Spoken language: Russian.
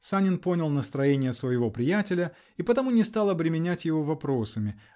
Санин понял настроение своего приятеля и потому не стал обременять его вопросами